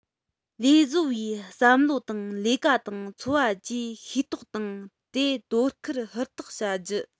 ལས བཟོ པའི བསམ བློ དང ལས ཀ དང འཚོ བ བཅས ཤེས རྟོགས དང དེར དོ ཁུར ཧུར ཐག བྱ རྒྱུ